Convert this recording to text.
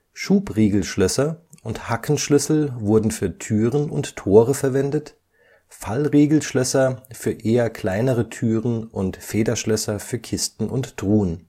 Schubriegelschlösser und Hackenschlüssel wurden für Türen und Tore verwendet, Fallriegelschlösser für eher kleinere Türen und Federschlösser für Kisten und Truhen